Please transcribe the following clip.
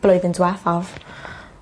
blwyddyn dwethaf.